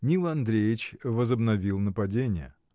Нил Андреич возобновил нападение.